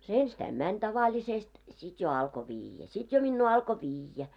se ensistään meni tavallisesti sitten jo alkoi viedä sitten jo minua alkoi viedä